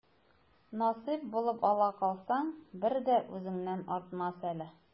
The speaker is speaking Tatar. Насыйп булып ала калсаң, бер дә үзеңнән артмас әле.